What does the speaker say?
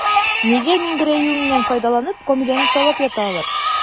Нигә миңгерәюеннән файдаланып, Камиләне талап ята алар?